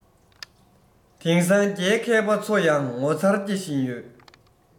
དེང སང རྒྱའི མཁས པ ཚོ ཡང མཚར སྐྱེ བཞིན ཡོད